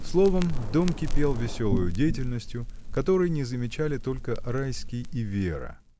Словом, дом кипел веселою деятельностию, которой не замечали только Райский и Вера.